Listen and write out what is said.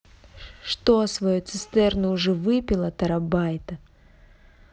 что свое цистерну уже выпила тарабайта